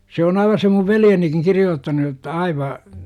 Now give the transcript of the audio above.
se on aivan se minun veljenikin kirjoittanut jotta aivan